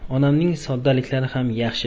onamning soddaliklari xam yaxshi